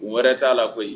Kun wɛrɛ t'a la koyi